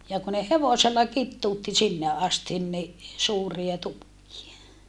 ja kun ne hevosella kituutti sinne asti niin suuria tukkeja